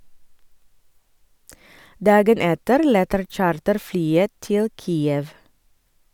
Dagen etter letter charterflyet til Kiev.